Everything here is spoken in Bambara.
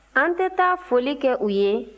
an tɛ taa foli kɛ u ye